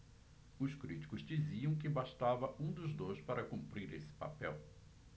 os críticos diziam que bastava um dos dois para cumprir esse papel